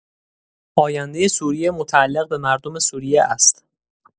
آینده سوریه متعلق به مردم سوریه است.